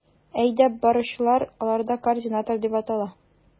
Әйдәп баручылар аларда координатор дип атала.